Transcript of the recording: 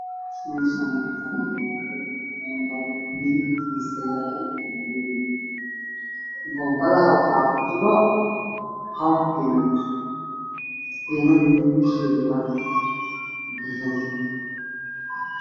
Waxaa ii muuqda midabkiisa yahay madow waxaa ku dhageen qatiinad midabkeedu yahay dahabi waxaa ka dambeeyay darbi cadaan